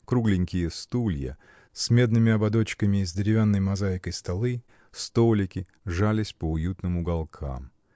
Кругленькие стулья, с медными ободочками и с деревянной мозаикой столы, столики жались по уютным уголкам.